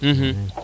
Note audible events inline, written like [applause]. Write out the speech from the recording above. [hesitation] [hesitation]